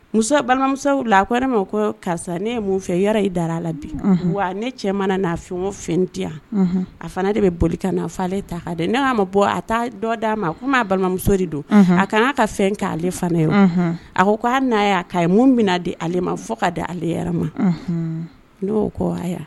Muso balimamusow la ko ne ma ko karisa ne ye mun fɛ i dara a la bi wa ne cɛ mana n'a fɛn o fɛn di yan a fana de bɛ boli ka' ale ta dɛ ne'a ma bɔ a taa dɔ d'a ma ko ma balimamuso de don a ka'a ka fɛn k'ale ale fana ye a ko k'a'a'' mun bɛna di ale ma fɔ k kaa di ale ma n ko